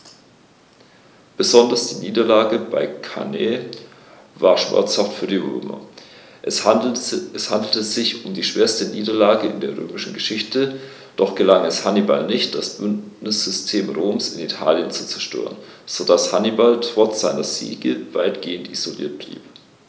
Besonders die Niederlage bei Cannae war schmerzhaft für die Römer: Es handelte sich um die schwerste Niederlage in der römischen Geschichte, doch gelang es Hannibal nicht, das Bündnissystem Roms in Italien zu zerstören, sodass Hannibal trotz seiner Siege weitgehend isoliert blieb.